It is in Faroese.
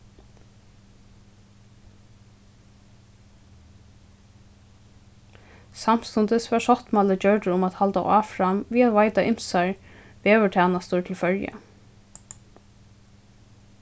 samstundis varð sáttmáli gjørdur um at halda áfram við at veita ymsar veðurtænastur til føroya